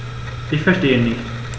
Ich verstehe nicht.